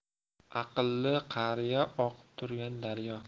aqlli qariya oqib turgan daryo